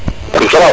jam soon